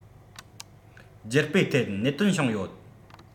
རྒྱུ སྤུས ཐད གནད དོན བྱུང ཡོད